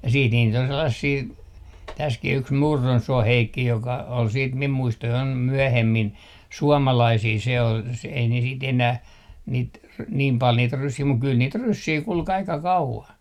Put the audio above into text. ja sitten niitä on sellaisia tässäkin yksi Murronsuon Heikki joka oli sitten minun muistojani myöhemmin suomalaisia se oli se ei ne sitten enää niitä - niin paljon niitä ryssiä mutta kyllä niitä ryssiä kulki aika kauan